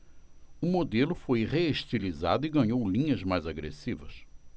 o modelo foi reestilizado e ganhou linhas mais agressivas